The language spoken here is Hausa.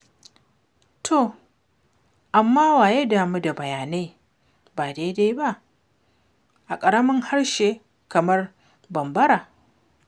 To amma wa ya damu da bayanai ba daidai ba a ƙaramin harshe kamar Bambara?